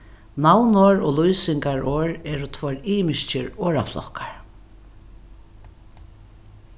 navnorð og lýsingarorð eru tveir ymiskir orðaflokkar